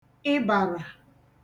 ịbàrà